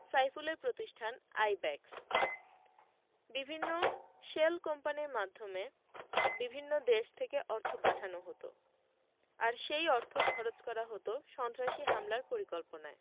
সাইফুলের প্রতিষ্ঠান আইব্যাকস বিভিন্ন শেল কোম্পানির মাধ্যমে বিভিন্ন দেশ থেকে অর্থ পাঠানো হতো আর সেই অর্থ খরচ করা হতো সন্ত্রাসী হামলার পরিকল্পনায়